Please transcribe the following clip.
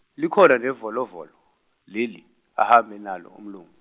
likhona nevolovolo, leli ahambe nalo umlungu.